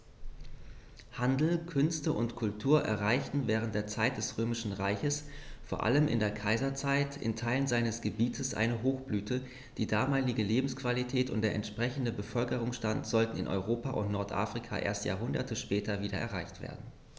Handel, Künste und Kultur erreichten während der Zeit des Römischen Reiches, vor allem in der Kaiserzeit, in Teilen seines Gebietes eine Hochblüte, die damalige Lebensqualität und der entsprechende Bevölkerungsstand sollten in Europa und Nordafrika erst Jahrhunderte später wieder erreicht werden.